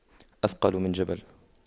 أثقل من جبل